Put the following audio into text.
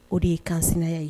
O de ye kanya ye